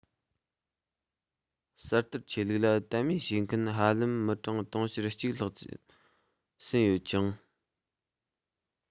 གསར དར ཆོས ལུགས ལ དད མོས བྱེད མཁན ཧ ལམ མི གྲངས དུང ཕྱུར གཅིག ལྷག བཅས ཟིན ཡོད ཅིང